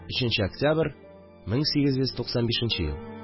3 нче октябрь, 1895 ел